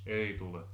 ei tule